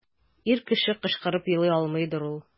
Ир кеше кычкырып елый алмыйдыр ул.